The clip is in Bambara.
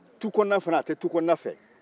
tukɔnɔna fana a tɛ tukɔnɔna fɛ